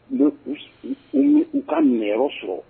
N bɛ u u ka mɛnyɔrɔ sɔrɔ